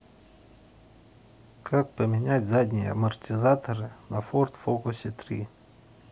как поменять задние амортизаторы на форд фокусе три